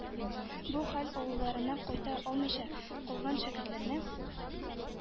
Бу хәл авылларына кайта алмыйча калган шәкертләрне